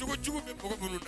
Jogo Jugu bɛ mɔgɔ minnu